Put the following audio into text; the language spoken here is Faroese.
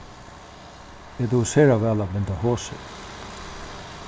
eg dugi sera væl at binda hosur